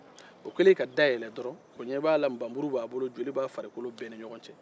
o kɛlen ka da yɛlɛ dɔrɔn o yɛ b'a la nbamuru b'a bolo joli b'a farikolo bɛɛ ni ɲɔgɔn cɛ